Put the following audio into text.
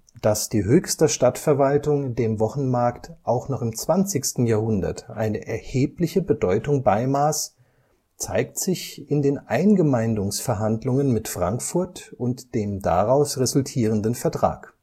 Dass die Höchster Stadtverwaltung dem Wochenmarkt auch noch im 20. Jahrhundert eine erhebliche Bedeutung beimaß, zeigt sich in den Eingemeindungsverhandlungen mit Frankfurt und dem daraus resultierenden Vertrag